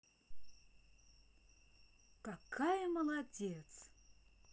какая молодец